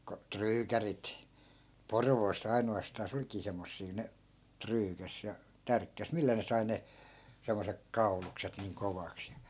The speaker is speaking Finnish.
kun tryykärit Porvoossa ainoastaan olikin semmoisia ne tryykäsi ja tärkkäsi millä ne sai ne semmoiset kaulukset niin kovaksi ja